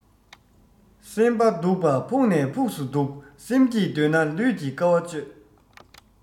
སེམས པ སྡུག པ ཕུགས ནས ཕུགས སུ སྡུག སེམས སྐྱིད འདོད ན ལུས ཀྱིས དཀའ བ སྤྱོད